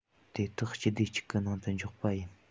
དེ དག སྤྱི སྡེ གཅིག གི ནང དུ འཇོག པ ཡིན